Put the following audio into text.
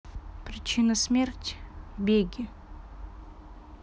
причина смерти беги